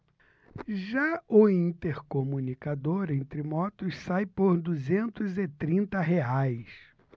já o intercomunicador entre motos sai por duzentos e trinta reais